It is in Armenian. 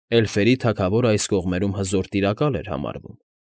Էլֆերի թագավորն այս կողմերում հզոր տիրակալ էր համարվում։